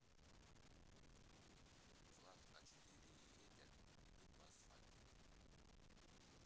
влад а четыре едят иду по алфавиту